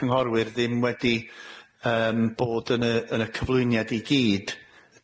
cyngorwyr ddim wedi yym bod yn y yn y cyflwyniad i gyd.